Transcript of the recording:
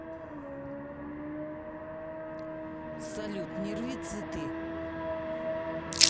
салют не рви цветы